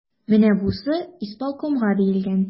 Менә бусы исполкомга диелгән.